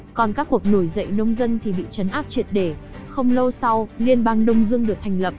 còn các cuộc nổi dậy nông dân thì bị trấn áp triệt để không lâu sau liên bang đông dương được thành lập